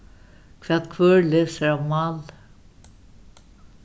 hvat hvør lesur av máli